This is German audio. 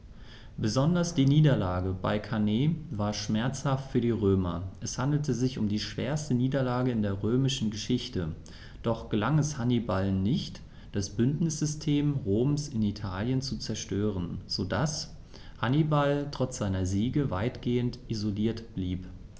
Besonders die Niederlage bei Cannae war schmerzhaft für die Römer: Es handelte sich um die schwerste Niederlage in der römischen Geschichte, doch gelang es Hannibal nicht, das Bündnissystem Roms in Italien zu zerstören, sodass Hannibal trotz seiner Siege weitgehend isoliert blieb.